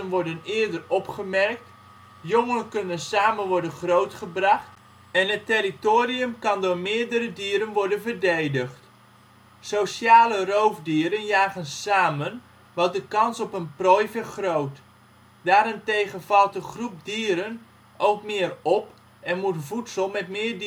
worden eerder opgemerkt, jongen kunnen samen worden grootgebracht en het territorium kan door meerdere dieren worden verdedigd. Sociale roofdieren jagen samen, wat de kans op een prooi vergroot. Daarentegen valt een groep dieren ook meer op en moet voedsel met meer